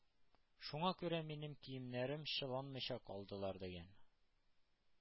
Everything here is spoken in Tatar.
Шуңа күрә минем киемнәрем чыланмыйча калдылар,— дигән.